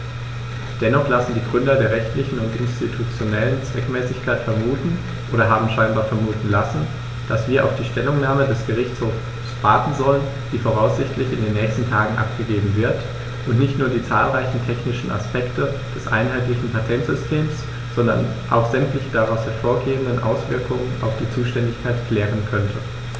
Dennoch lassen die Gründe der rechtlichen und institutionellen Zweckmäßigkeit vermuten, oder haben scheinbar vermuten lassen, dass wir auf die Stellungnahme des Gerichtshofs warten sollten, die voraussichtlich in den nächsten Tagen abgegeben wird und nicht nur die zahlreichen technischen Aspekte des einheitlichen Patentsystems, sondern auch sämtliche daraus hervorgehenden Auswirkungen auf die Zuständigkeit klären könnte.